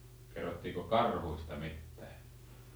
kerrottiinko karhuista mitään